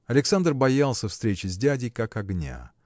Александр боялся встречи с дядей, как огня.